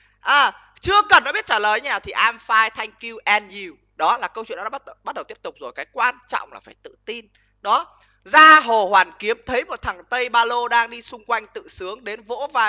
à chưa cần biết nó trả lời như nào thì am phai thanh kiu en dìu đó là câu chuyện nó bắt đầu tiếp tục rồi cái quan trọng là phải tự tin đó ra hồ hoàn kiếm thấy một thằng tây ba lô đang đi xung quanh tự sướng đến vỗ vai